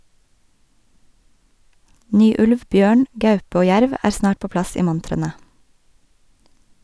Ny ulv, bjørn, gaupe og jerv er snart på plass i montrene.